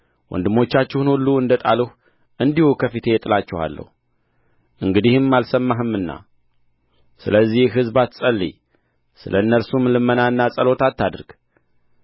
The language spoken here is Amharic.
ወንድሞቻችሁን ሁሉ እንደ ጣልሁ እንዲሁ ከፊቴ እጥላችኋለሁ እንግዲህም አልሰማህምና ስለዚህ ሕዝብ አትጸልይ ስለ እነርሱም ልመናና ጸሎት አታድርግ